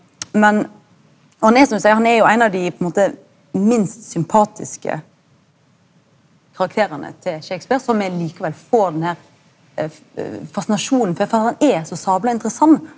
men han er som du seier han er jo ein av dei på ein måte minst sympatiske karakterane til Shakespeare som me likevel får den her fasinasjonen for for han er så sabla interessant.